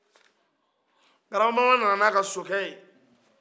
grabamama nana ni a ka sokɛ ye